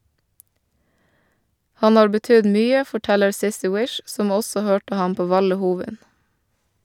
Han har betydd mye, forteller Sissy Wish, som også hørte ham på Valle Hovin.